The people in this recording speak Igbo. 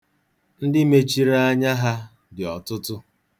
Ndị mechiri anya ha dị ọtụtụ.